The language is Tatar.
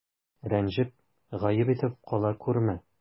Рәнҗеп, гаеп итеп кала күрмә.